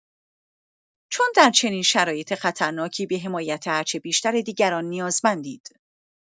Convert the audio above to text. چون در چنین شرایط خطرناکی به حمایت هرچه بیشتر دیگران نیازمندید.